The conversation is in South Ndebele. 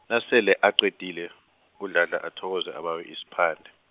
nasele aqedile, uDladla athokoze abawe isiphande.